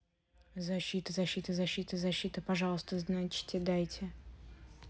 защита защита защита защита пожалуйста значите дайте